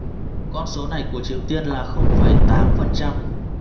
con số này của triều tiên là không phẩy tám phần trăm